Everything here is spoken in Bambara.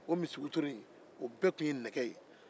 o misiwotoro in bɛɛ tun ye nɛgɛ ye